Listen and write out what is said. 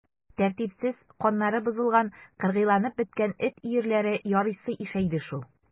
Тәртипсез, каннары бозылган, кыргыйланып беткән эт өерләре ярыйсы ишәйде шул.